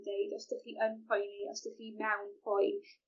...neud os 'dych yn poeni a os 'dych chi mewn peon